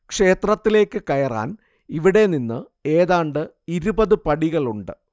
ക്ഷേത്രത്തിലേയ്ക്ക് കയറാൻ ഇവിടെ നിന്ന് ഏതാണ്ട് ഇരുപത് പടികളുണ്ട്